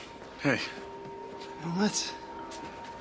Hei. Iawn mêt?